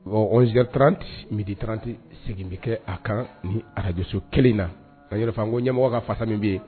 Bonzritranti miditranti segin bɛ kɛ a kan ni ara arajso kelen in na san ko ɲɛmɔgɔ ka fasa min bɛ yen